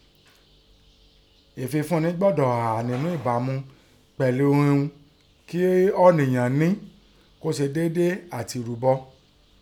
Ẹ̀fìfúnni gbọ́dọ̀ hà nẹ́ ẹ̀bámu pẹ̀lú ihun kín ọ̀nìyàn nẹ́, kó se déédé àtin ẹ̀rúbọ.